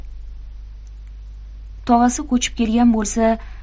tog'asi ko'chib kelgan bo'lsa